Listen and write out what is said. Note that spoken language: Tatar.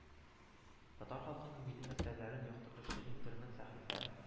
Татар халкының милли мәсьәләләрен яктыртучы интернет-сәхифә